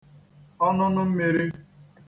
ọnụnụ mmīrī